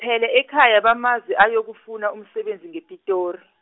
phela ekhaya bamazi ayokufuna umsebenzi ngePitori.